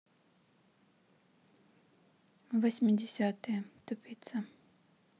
восьмидесятые тупица